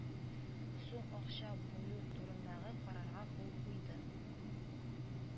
Сум акча бүлү турындагы карарга кул куйды